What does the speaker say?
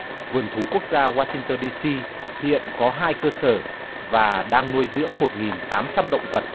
vườn thú quốc gia goa sinh tơn đi xi hiện có hai cơ sở và đang nuôi dưỡng một nghìn tám trăm động vật